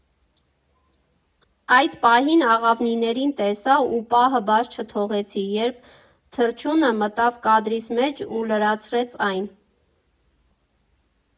Այդ պահին աղավնիներին տեսա ու պահը բաց չթողեցի, երբ թռչյունը մտավ կադրիս մեջ ու լրացրեց այն։